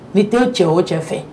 N tɛ cɛ o cɛ fɛ